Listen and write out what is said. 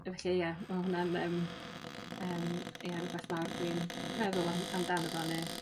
A felly ie ma' hwnna'n yym yym ie rwbeth mawr dwi'n meddwl am amdano fo ne'